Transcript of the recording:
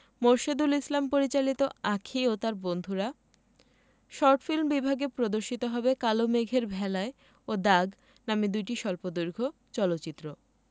মোরশেদুল ইসলাম পরিচালিত আঁখি ও তার বন্ধুরা শর্ট ফিল্ম বিভাগে প্রদর্শিত হবে কালো মেঘের ভেলায় ও দাগ নামের দুটি স্বল্পদৈর্ঘ চলচ্চিত্র